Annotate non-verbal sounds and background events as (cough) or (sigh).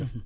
(hesitation) (hesitation)